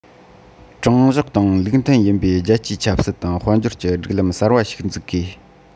དྲང གཞག དང ལུགས མཐུན ཡིན པའི རྒྱལ སྤྱིའི ཆབ སྲིད དང དཔལ འབྱོར གྱི སྒྲིག ལམ གསར པ ཞིག འཛུགས དགོས